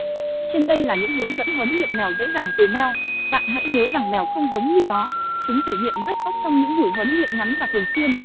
trên đây là những hướng dẫn huấn luyện mèo dễ dàng từ meow bạn hãy nhớ rằng mèo không giống như chó chúng thể hiện rất tốt trong những buổi huấn luyện ngắn và thường xuyên